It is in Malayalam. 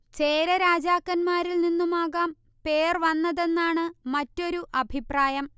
ചേര രാജാക്കന്മാരിൽ നിന്നുമാകാം പേർ വന്നതെന്നാണ് മറ്റൊരു അഭിപ്രായം